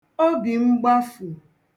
obìmgbafù